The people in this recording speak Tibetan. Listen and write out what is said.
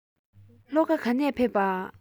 ལྷོ ཁ ག ནས ཕེབས པ